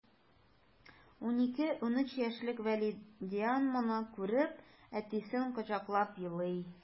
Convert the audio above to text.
12-13 яшьлек вәлидиан моны күреп, әтисен кочаклап елый...